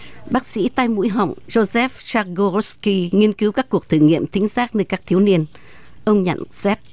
bác sĩ tai mũi họng rô dép trác gô gốt ki nghiên cứu các cuộc thử nghiệm thính giác nơi các thiếu niên ông nhận xét